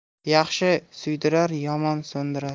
yaxshi suydirar yomon so'ndirar